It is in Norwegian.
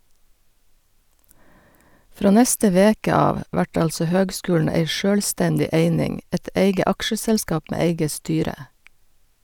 Frå neste veke av vert altså høgskulen ei sjølvstendig eining, eit eige aksjeselskap med eige styre.